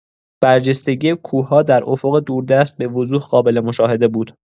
برجستگی کوه‌ها در افق دوردست به‌وضوح قابل‌مشاهده بود.